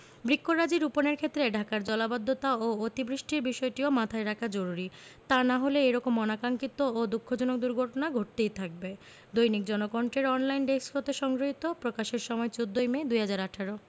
বৃক্ষরাজি রোপণের ক্ষেত্রে ঢাকার জলাবদ্ধতা ও অতি বৃষ্টির বিষয়টিও মাথায় রাখা জরুরী তা না হলে এ রকম অনাকাংক্ষিত ও দুঃখজনক দুর্ঘটনা ঘটতেই থাকবে দৈনিক জনকণ্ঠের অনলাইন ডেস্ক হতে সংগৃহীত প্রকাশের সময় ১৪ ই মে ২০১৮